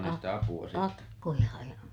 - akkoja ja